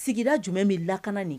Sigi jumɛn bɛ lakana nin